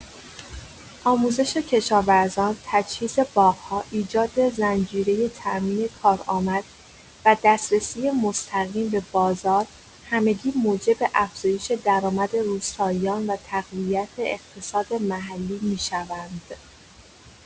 آموزش کشاورزان، تجهیز باغ‌ها، ایجاد زنجیره تأمین کارآمد و دسترسی مستقیم به بازار، همگی موجب افزایش درآمد روستاییان و تقویت اقتصاد محلی می‌شوند.